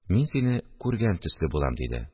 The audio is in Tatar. Мин сине күргән төсле булам, – диде